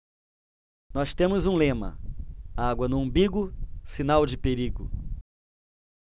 nós temos um lema água no umbigo sinal de perigo